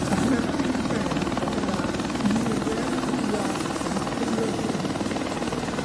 a chymerodd i'w ben y bydda nifer wya yn cynyddu,